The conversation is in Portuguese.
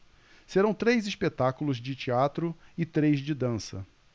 serão três espetáculos de teatro e três de dança